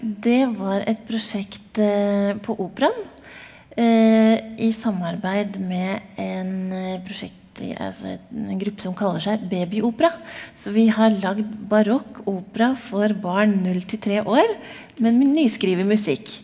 det var et prosjekt på operaen i samarbeid med en prosjekt altså en gruppe som kaller seg Babyopera, så vi har lagd barokk opera for barn null til tre år men med nyskreven musikk.